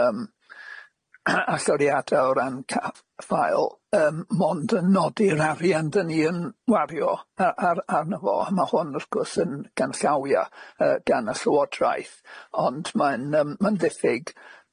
yym a- alloriada o ran ca- ffael yym mond yn nodi'r arian dan ni yn wario a- ar arno fo a ma' hwn wrth gwrs yn ganllawia yy gan y Llywodraeth ond mae'n yym ma'n ddiffyg